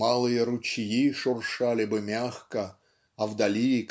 малые ручьи шуршали бы мягко а вдали